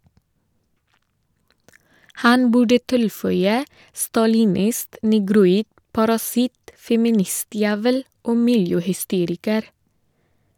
Han burde tilføye "stalinist", "negroid", "parasitt", "feministjævel" og "miljøhysteriker".